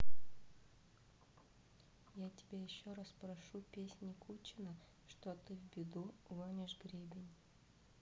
я тебя еще раз прошу песни кучина что ты в беду гонишь гребень